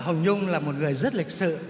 hồng nhung là một người rất lịch sự